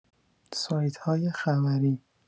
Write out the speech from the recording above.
سایت‌های خبری